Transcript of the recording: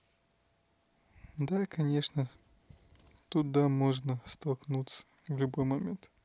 да конечно тут да можно споткнуться в любой момент